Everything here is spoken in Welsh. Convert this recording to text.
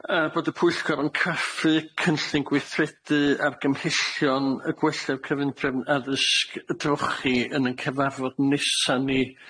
Yy bod y pwyllgor yn craffu cynllun gweithredu argymhellion yy gwella'r cyfundrefn addysg drochi yn 'yn cyfarfod nesa' ni